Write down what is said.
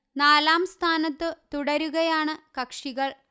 നാലാം സ്ഥാനത്തു തുടരുകയാണു കക്ഷികള്